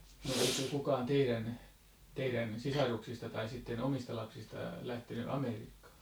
eikö kukaan teidän teidän sisaruksista tai sitten omista lapsista lähtenyt Amerikkaan